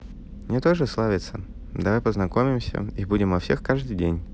мне тоже славится давай познакомимся и будем о всех каждый день